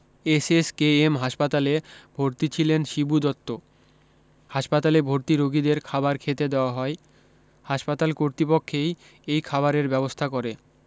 SSKM হাসপাতালে ভর্তি ছিলেন শিবু দত্ত হাসপাতালে ভর্তি রোগীদের খাবার খেতে দেওয়া হয় হাসপাতাল কর্তৃপক্ষেই এই খাবারের ব্যবস্থা করে